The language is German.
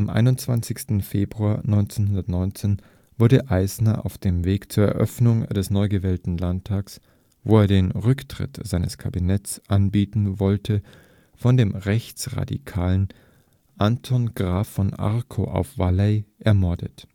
21. Februar 1919 wurde Eisner auf dem Weg zur Eröffnung des neugewählten Landtags, wo er den Rücktritt seines Kabinetts anbieten wollte, von dem Rechtsradikalen Anton Graf von Arco auf Valley ermordet